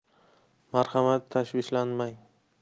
marhamat tashvishlanmang